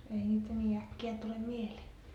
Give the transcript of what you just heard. ei niitä niin äkkiä tule mieleen